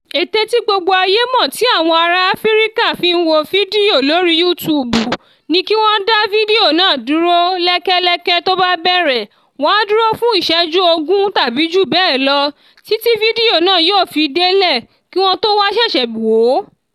Ète tí gbogbo ayé mọ̀ tí àwọn ará Áfíríkà fi ń wo àwọn fídíò lóri YouTube ni kí wọ́n dá fídíò náà dúró lẹ́kẹ̀lẹkẹ̀ tó bá bẹ̀rẹ̀, wọ́n á dúró fún ìṣéjú 20 (tàbí jùbẹ́ẹ̀lọ) títí fídíò náà yóò fi délẹ̀, kí wọ́n tó wá ṣẹ̀ṣẹ̀ wò ó.